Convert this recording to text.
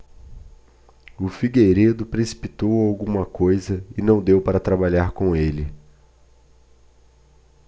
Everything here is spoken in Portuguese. o figueiredo precipitou alguma coisa e não deu para trabalhar com ele